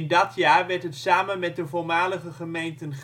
dat jaar werd het samen met de voormalige gemeenten